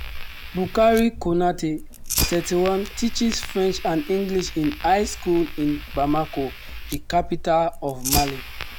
Boukary Konaté, 31, teaches French and English in a high school in Bamako, the capital of Mali.